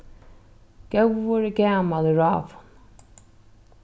góður er gamal í ráðum